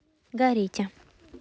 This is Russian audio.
горите